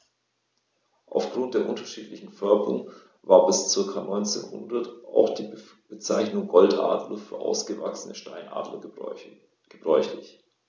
Auf Grund der unterschiedlichen Färbung war bis ca. 1900 auch die Bezeichnung Goldadler für ausgewachsene Steinadler gebräuchlich.